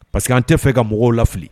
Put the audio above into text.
Pa que an tɛ fɛ ka mɔgɔw lali